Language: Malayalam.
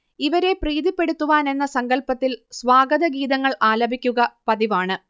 ഇവരെ പ്രീതിപ്പെടുത്തുവാനെന്ന സങ്കൽപത്തിൽ സ്വാഗതഗീതങ്ങൾ ആലപിക്കുക പതിവാണ്